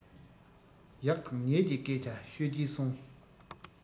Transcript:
ཡག དང ཉེས ཀྱི སྐད ཆ ཤོད ཀྱིན སོང